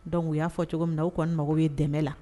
Donc u y'a fɔ cogo min na , u kɔni mago bɛ dɛmɛ la